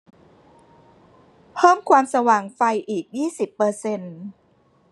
เพิ่มความสว่างไฟอีกยี่สิบเปอร์เซ็นต์